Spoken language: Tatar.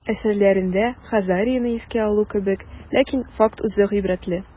Әсәрләрендә Хазарияне искә алу кебек, ләкин факт үзе гыйбрәтле.